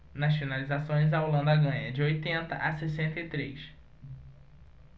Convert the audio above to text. nas finalizações a holanda ganha de oitenta a sessenta e três